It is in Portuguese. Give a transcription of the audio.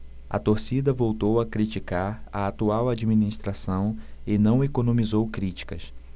a torcida voltou a criticar a atual administração e não economizou críticas